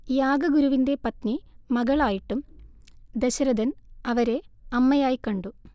യാഗ ഗുരുവിന്റെ പത്നി മകളായിട്ടും ദശരഥൻ അവരെ അമ്മയായി കണ്ടു